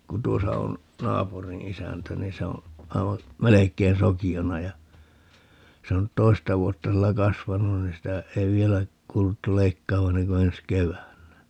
kun tuossa on naapurin isäntä niin se on aivan melkein sokeana ja se on nyt toista vuotta sillä kasvanut niin sitä ei vielä kuuluttu leikkaavan ennen kuin ensi keväänä